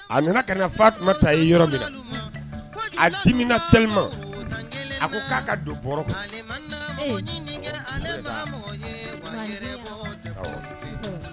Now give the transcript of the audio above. Aa nana ka na Faatumata ye yɔrɔ minna aa dimina tellement a ko k'a ka don bɔrɔ kɔnɔ ee awɔ o de baa maaninfin ɲɛnɛma awɔ kosɛbɛ